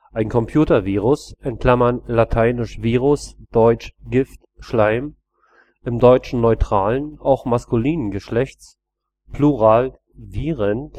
Ein Computervirus (lateinisch virus ‚ Gift, Schleim ‘; im Deutschen neutralen, auch maskulinen Geschlechts, Plural - viren